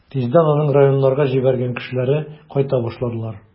Тиздән аның районнарга җибәргән кешеләре кайта башладылар.